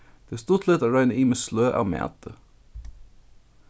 tað er stuttligt at royna ymisk sløg av mati